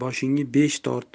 boshiga besh tort